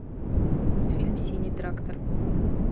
мультфильм синий трактор